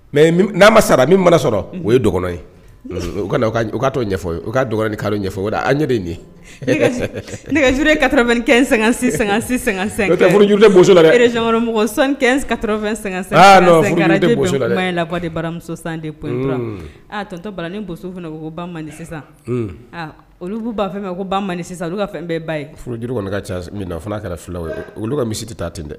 Mɛ n'a ma sara min bala sɔrɔ o ye ye kafɔ ka dɔgɔn ka ɲɛfɔ an ye nin nejurue kara sɛgɛn sankafɛn sansan in la baramuso san tɔtɔ bara ni bo fana ko ko sisan olu' ba fɛ ko ban sisan ka fɛn bɛɛ ba ye furuj kɔnɔ ka ca min kɛra fila ye olu ka misi tɛ ta ten dɛ